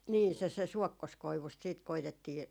niin se se suokkoskoivusta sitten koetettiin